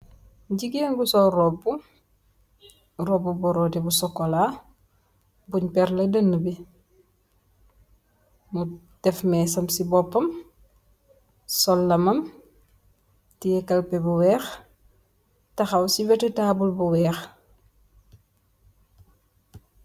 Gigeen bu sol róbbu, róbbu borodeh bu sokola buñ péér leh danabi. Def més am si bópam sol lamam teyeh kalpèh bu wèèx taxaw ci weti tabull bu wèèx.